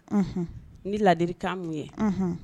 Ni ladirikan mun ye